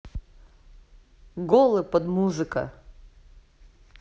голы под музыка